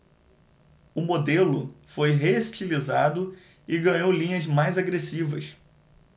o modelo foi reestilizado e ganhou linhas mais agressivas